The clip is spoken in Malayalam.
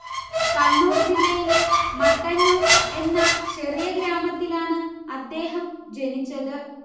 കണ്ണൂർ ജില്ലയിലെ മട്ടന്നൂർ എന്ന ചെറിയ ഗ്രാമത്തിലാണ് അദ്ദേഹം ജനിച്ചത്